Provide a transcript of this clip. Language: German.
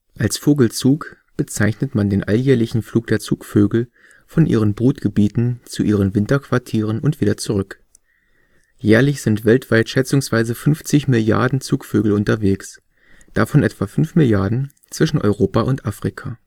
Als Vogelzug bezeichnet man den alljährlichen Flug der Zugvögel von ihren Brutgebieten zu ihren Winterquartieren und wieder zurück. Jährlich sind weltweit schätzungsweise 50 Milliarden Zugvögel unterwegs, davon etwa fünf Milliarden zwischen Europa und Afrika